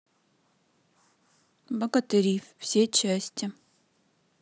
богатыри все части